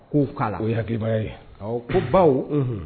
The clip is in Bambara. K' k'a o'baa ye ko baw